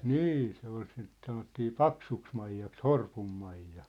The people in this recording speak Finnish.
niin se oli sitä sanottiin Paksuksimaijaksi Horpun Maija